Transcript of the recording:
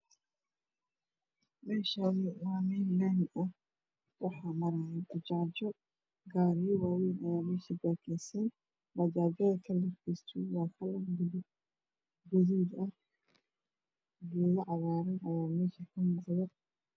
Meeshaani waa meel laami ah waxaa maraayo bajaajo gaariyo waa weeyn ayaa meesha baakin san bajaajada kalarkiisu waa gaduud ah buumo cagaaran ayaa meesha ka muuqdo